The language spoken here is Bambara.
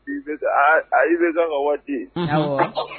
I bɛ a i bɛ ka waati